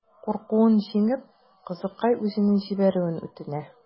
Куркуын җиңеп, кызыкай үзен җибәрүен үтенә.